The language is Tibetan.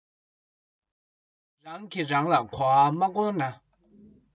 རང གི རང ལ གོ བ མ བསྐོན ན